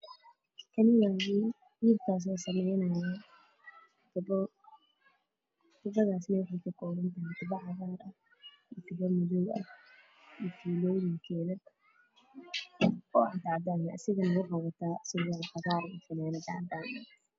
Halkan waa tagan will waxow sameyna tubo tubad kalarked waa cagaran will kalar oo wato waa seytun iyo cadan